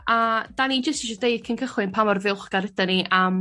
A 'dan ni jyst deu cyn cychwyn pa mor ddiolchgar ydan ni am